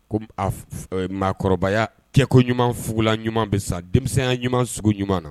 Ko maakɔrɔbabaya cɛko ɲuman fugula ɲuman bɛ sa denmisɛnninya ɲuman sugu ɲuman na